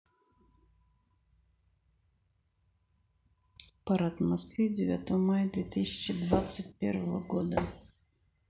парад в москве девятого мая две тысячи двадцать первого года